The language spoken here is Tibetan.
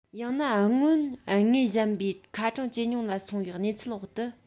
ཡང ན རྔོན དངོས གཞན པའི ཁ གྲངས ཇེ ཉུང ལ སོང བའི གནས ཚུལ འོག ཏུ